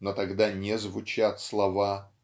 но тогда не звучат слова.